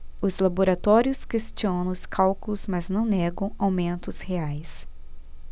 os laboratórios questionam os cálculos mas não negam aumentos reais